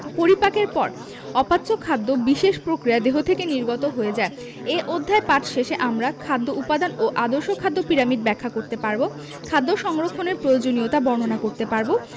পরিপাকের পর অপাচ্য খাদ্য বিশেষ প্রক্রিয়ায় দেহ থেকে নির্গত হয়ে যায় এ অধ্যায় পাঠ শেষে আমরা খাদ্য উপাদান ও আদর্শ খাদ্য পিরামিড ব্যাখ্যা করতে পারব খাদ্য সংরক্ষণের প্রয়োজনীয়তা বর্ণনা করতে পারব